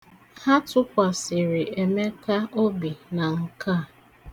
Ha tụkwasịrị Emeka obi na nke a.